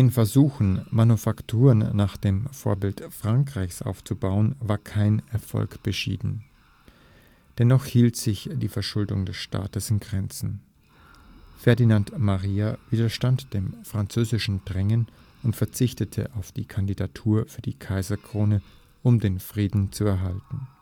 Versuchen, Manufakturen nach dem Vorbild Frankreichs aufzubauen, war kein Erfolg beschieden. Dennoch hielt sich die Verschuldung des Staates in Grenzen, Ferdinand Maria widerstand dem französischen Drängen und verzichtete auf die Kandidatur für die Kaiserkrone, um den Frieden zu erhalten